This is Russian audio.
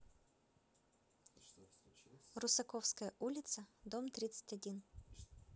русаковская улица дом тридцать один